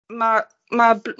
ma' ma' bl-...